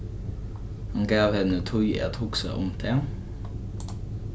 hann gav henni tíð at hugsa um tað